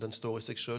den står i seg sjøl.